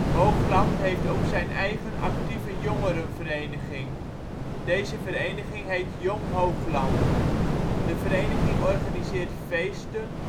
Hoogland heeft ook zijn eigen actieve jongerenvereniging. Deze vereniging heet Jong Hoogland. De vereniging organiseert feesten